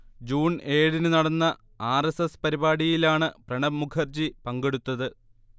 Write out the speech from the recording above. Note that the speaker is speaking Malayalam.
ജൂൺ ഏഴിന് നടന്ന ആർ. എസ്. എസ് പരിപാടിയിലാണ് പ്രണബ് മുഖർജി പങ്കെടുത്തത്